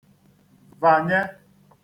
vànye